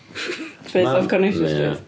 Fizz off Coronation Street?